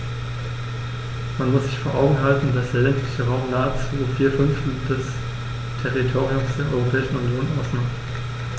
Man muss sich vor Augen halten, dass der ländliche Raum nahezu vier Fünftel des Territoriums der Europäischen Union ausmacht.